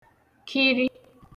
kiri